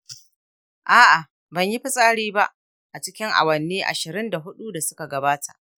a’a, ban yi fitsari ba a cikin awanni ashirin da hudu da suka gabata.